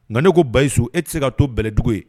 Nka ne ko basiyisu e tɛ se ka to bɛlɛdugu ye